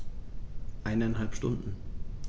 Eineinhalb Stunden